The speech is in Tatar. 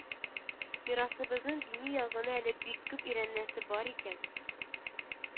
Мирасыбызның дини ягын әле бик күп өйрәнәсе бар икән